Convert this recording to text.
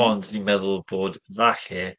Ond ni'n meddwl bod falle